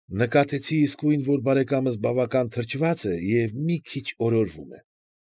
Նկատեցի իսկույն, որ բարեկամս բավական թրջված է և մի քիչ օրորվում է։